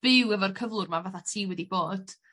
byw efo'r cyflwr 'ma fatha ti wedi bod